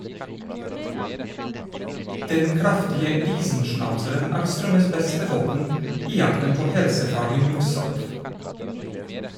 Den kraftige riesenschnauzeren er Strømmes beste våpen i jakten på helsefarlig muggsopp.